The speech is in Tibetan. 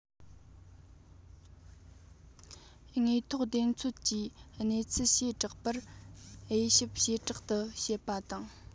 དངོས ཐོག བདེན འཚོལ གྱིས གནས ཚུལ བྱེ བྲག པར དབྱེ ཞིབ བྱེ བྲག ཏུ བྱེད པ དང